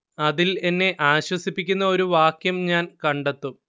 അതിൽ എന്നെ ആശ്വസിപ്പിക്കുന്ന ഒരു വാക്യം ഞാൻ കണ്ടെത്തും